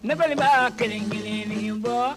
Ne balima kelen kelen bɔ